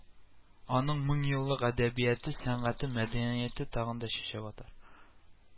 Аның меңьеллык әдәбияте, сәнгате, мәдәнияте тагын да чәчәк атар